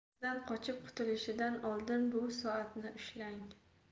sizdan qochib qutulishidan oldin bu soatni ushlang